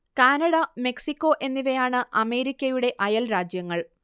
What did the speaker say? Canada Mexico എന്നിവയാണ് അമേരിക്കയുടെ അയൽ രാജ്യങ്ങൾ